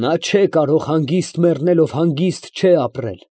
Նա չէ կարող հանգիստ մեռնել, որ հանգիստ չէ ապրել։